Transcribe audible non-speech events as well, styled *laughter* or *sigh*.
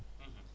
*hesitation* *hesitation*